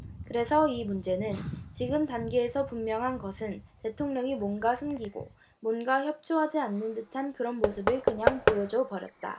그래서 이 문제는 지금 단계에서 분명한 것은 대통령이 뭔가 숨기고 뭔가 협조하지 않는 듯한 그런 모습을 그냥 보여줘버렸다